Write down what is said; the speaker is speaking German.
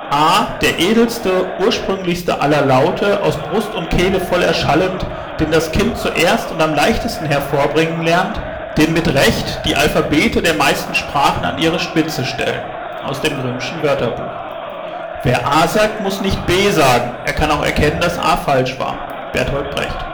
A. der edelste, ursprünglichste aller laute, aus brust und kehle voll erschallend, den das kind zuerst und am leichtesten hervor bringen lernt, den mit recht die alphabete der meisten sprachen an ihre spitze stellen (aus dem Grimmschen Wörterbuch) Wer A sagt, der muß nicht B sagen. Er kann auch erkennen, daß A falsch war. (Bertolt Brecht